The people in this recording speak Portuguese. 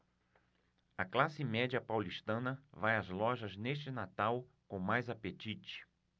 a classe média paulistana vai às lojas neste natal com mais apetite